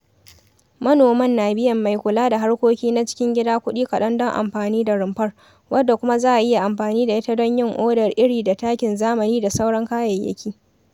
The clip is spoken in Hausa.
Manoman na biyan mai kula da harkoki na cikin gida kuɗi kaɗan don amfani da rumfar, wadda kuma za a iya amfani da ita don yin odar iri da takin zamani da sauran kayayyaki.